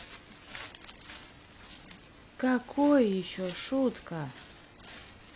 какой еще шутка